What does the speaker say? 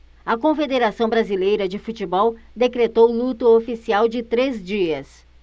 a confederação brasileira de futebol decretou luto oficial de três dias